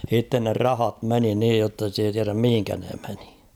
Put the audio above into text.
sitten ne rahat meni niin jotta sitä ei tiedä mihin ne meni